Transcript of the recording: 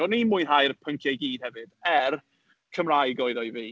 O'n i'n mwynhau'r pynciau i gyd hefyd, er Cymraeg oedd o i fi.